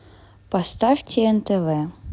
поставьте нтв